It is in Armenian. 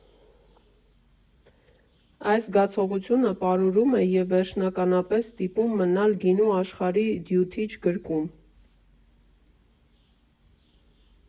Այս զգացողությունը պարուրում է և վերջնականապես ստիպում մնալ գինու աշխարհի դյութիչ գրկում։